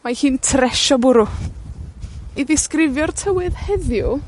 Mae hi'n tresio bwrw. I ddisgrifio'r tywydd heddiw